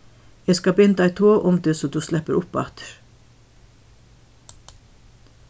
eg skal binda eitt tog um teg so tú sleppur upp aftur